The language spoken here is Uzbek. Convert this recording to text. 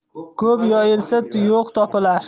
ko'p yoyilsa yo'q topilar